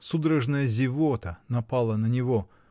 Судорожная зевота напала на него.